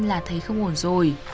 là thấy không ổn rồi